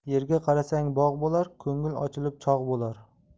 yerga qarasang bog' bo'lar ko'ngil ochilib chog' bo'lar